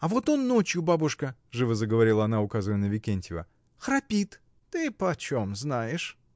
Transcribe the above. А вот он ночью, бабушка, — живо заговорила она, указывая на Викентьева, — храпит. — Ты почем знаешь?